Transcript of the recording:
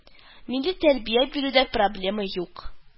Милли тәрбия бирүдә проблема юк